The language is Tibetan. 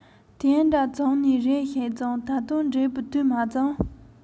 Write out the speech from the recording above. དེ འདྲ བྱུང ནས རེ ཞིག སོང ད དུང འགྲིག པའི དུས མ བྱུང